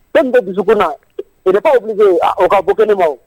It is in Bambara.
Fɛn bɛ dusukun na ce n'est pas obligé o ka bɔ kɛnɛma wo.